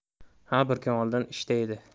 ha bir kun oldin ishda edi